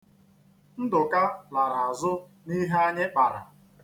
Ndụka lara azụ n'ihe anyị kpara.